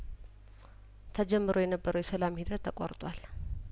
ተጀምሮ የነበረው የሰላም ሂደት ተቋርጧል